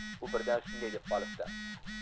u birdan shunday deb qolibdi